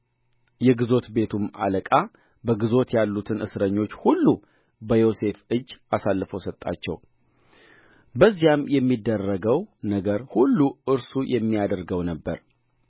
የግዞት ቤቱም አለቃ በግዞት ያሉትን እስረኞች ሁሉ በዮሴፍ እጅ አሳልፎ ሰጣቸው በዚያም የሚደረገው ነገር ሁሉ እርሱ የሚያደርገው ነበረ